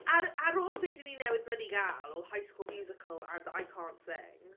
Ar... ar ôl be dan ni newydd blydi gael o High School Musical and I can't sing...